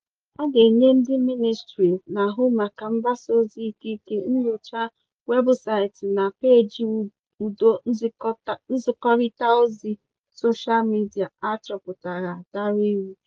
A ga-enye ndị Minịstrị na-ahụ maka mgbasaozi ikike inyocha weebụsaịtị na peeji ụdọ nzikọrịtaozi soshial media a chọpụtara dara iwu.